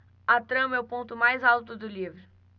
a trama é o ponto mais alto do livro